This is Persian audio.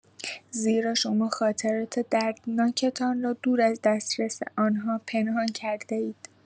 زیرا شما خاطرات دردناکتان را دور از دسترس آن‌ها پنهان کرده‌اید.